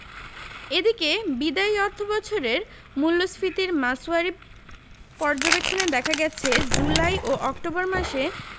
এদিকে বিদায়ী অর্থবছরের মূল্যস্ফীতির মাসওয়ারি পর্যবেক্ষণে দেখা গেছে জুলাই ও অক্টোবর মাসে